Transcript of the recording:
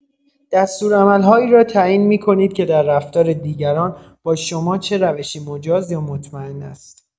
دستورالعمل‌هایی را تعیین می‌کنید که در رفتار دیگران با شما چه روشی مجاز یا مطمئن است.